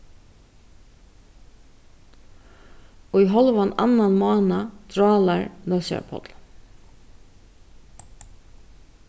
í hálvan annan mánað drálar nólsoyar páll